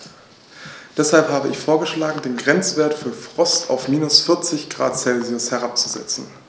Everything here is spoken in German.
Deshalb habe ich vorgeschlagen, den Grenzwert für Frost auf -40 ºC herabzusetzen.